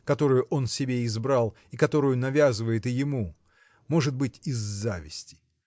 которую он себе избрал и которую навязывает и ему может быть из зависти.